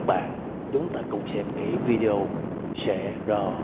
mời các bạn chúng ta cùng xem kỹ video sẽ rõ